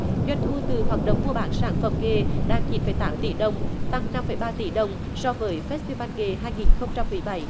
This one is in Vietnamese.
doanh thu từ hoạt động mua bán sản phẩm nghề đạt chín phẩy tám tỷ đồng tăng năm phẩy ba tỷ đồng so với phét ti van nghề hai nghìn không trăm mười bảy